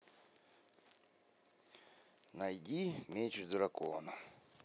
найди меч дракона